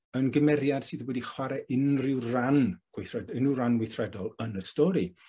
yn gymeriad sydd wedi chware unryw ran gweithre- unryw ran weithredol yn y stori.